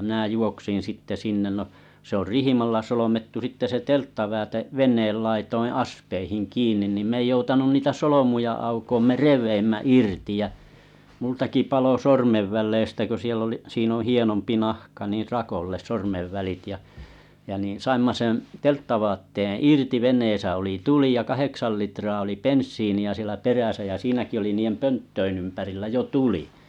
minä juoksin sitten sinne no se on rihmalla solmittu sitten se telttavaate veneen laitojen aspeihin kiinni niin minä ei joutanut niitä solmuja aukoa me revimme irti ja minultakin paloi sormenväleistä kun siellä oli siinä on hienompi nahka niin rakolle sormenvälit ja ja niin saimme sen telttavaatteen irti veneessä oli tuli ja kahdeksan litraa oli bensiiniä siellä perässä ja siinäkin oli niiden pönttöjen ympärillä jo tuli